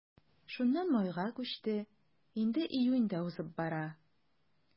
Шуннан майга күчте, инде июнь дә узып бара.